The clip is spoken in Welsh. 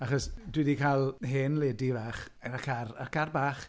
Achos, dwi 'di cael hen lady fach â car, car bach.